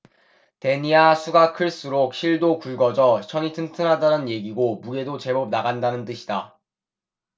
데니아 수가 클수록 실도 굵어져 천이 튼튼하다는 얘기고 무게도 제법 나간다는 뜻이다